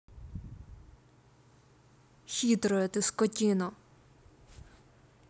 хитрая ты скотина